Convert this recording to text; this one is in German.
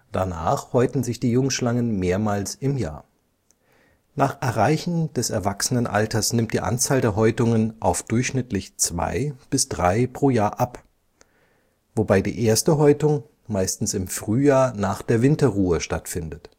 danach häuten sich die Jungschlangen mehrmals im Jahr. Nach Erreichen des Erwachsenenalters nimmt die Anzahl der Häutungen auf durchschnittlich zwei bis drei pro Jahr ab, wobei die erste Häutung meistens im Frühjahr nach der Winterruhe stattfindet